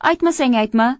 ytmasang aytma